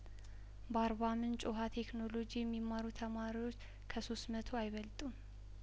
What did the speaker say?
በአርባ ምንጭ ውሀ ቴክኖሎጂ እሚ ማሩ ተማሪዎች ከሶስት መቶ አይበልጡም